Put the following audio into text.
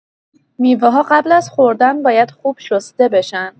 میوه‌ها قبل از خوردن باید خوب شسته بشن.